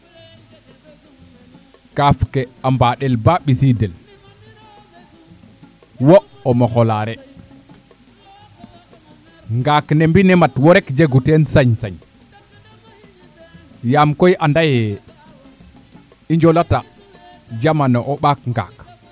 kaaf ke a mbaandel baa mbisidel wo o moxolaare ngaak ne mbine mat wo rek jegu teen sañ sañ yaam koy ande ye o njola ta jamano o mbaak ngaak